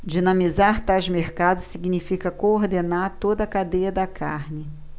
dinamizar tais mercados significa coordenar toda a cadeia da carne